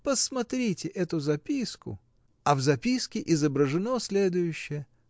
Посмотрите эту записку!” А в записке изображено следующее: